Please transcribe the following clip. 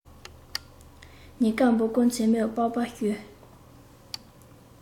ཉིན དཀར འབུ བརྐོས མཚན མོར པགས པ བཤུས